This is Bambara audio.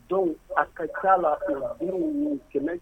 Don a ka ca la 5 ninnu 100